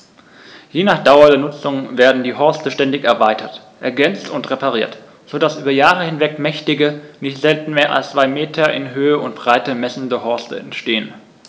Je nach Dauer der Nutzung werden die Horste ständig erweitert, ergänzt und repariert, so dass über Jahre hinweg mächtige, nicht selten mehr als zwei Meter in Höhe und Breite messende Horste entstehen.